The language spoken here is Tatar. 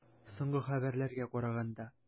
Соңгы хәбәрләргә караганда.